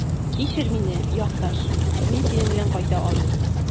Кичер мине, якташ, мин синең белән кайта алмыйм.